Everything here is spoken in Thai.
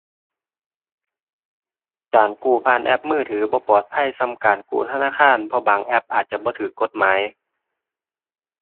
การกู้ผ่านแอปมือถือบ่ปลอดภัยส่ำการกู้ธนาคาร เพราะบางแอปอาจจะบ่ถูกกฎหมาย